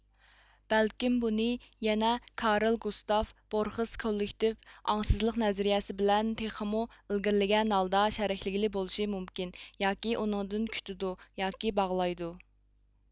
بەلكىم بۇنى يەنە كارل گۇستاف بورخېس كوللېكتىپ ئاڭسىزلىق نەزەرىيىسى بىلەن تېخىمۇ ئىلگىرىلىگەن ھالدا شەرھلىگىلى بولۇشى مۇمكىن ياكى ئۇنىڭدىن كۈتىدۇ ياكى باغلايدۇ